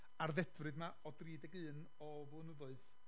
A'r ddedfryd yma o dri deg un o flynyddoedd